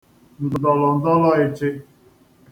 ndọlọndọlọ̄ọ̄ịchị